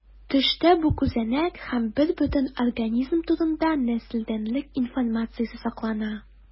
Төштә бу күзәнәк һәм бербөтен организм турында нәселдәнлек информациясе саклана.